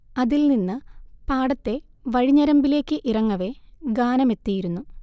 അതിൽ നിന്ന് പാടത്തെ വഴിഞരമ്പിലേക്ക് ഇറങ്ങവെ ഗാനമെത്തിയിരുന്നു